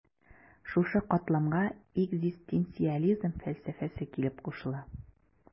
Шушы катламга экзистенциализм фәлсәфәсе килеп кушыла.